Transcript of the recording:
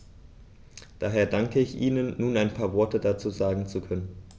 Daher danke ich Ihnen, nun ein paar Worte dazu sagen zu können.